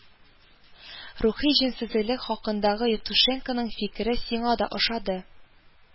Рухи җенессезлек хакындагы Евтушенконың фикере сиңа да ошады